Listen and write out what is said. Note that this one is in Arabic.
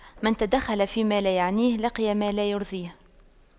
من تدخل فيما لا يعنيه لقي ما لا يرضيه